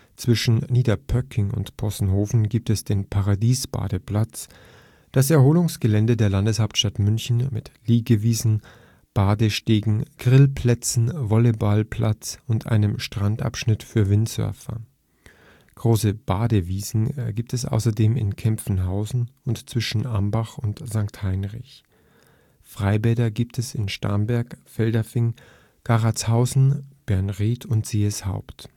Zwischen Niederpöcking und Possenhofen gibt es den Paradies-Badeplatz, das Erholungsgelände der Landeshauptstadt München, mit Liegewiesen, Badestegen, Grillplätzen, Volleyplatz und einem Strandabschnitt für Windsurfer. Große Badewiesen gibt es außerdem in Kempfenhausen und zwischen Ambach und St. Heinrich. Freibäder gibt es in Starnberg, Feldafing, Garatshausen, Bernried und Seeshaupt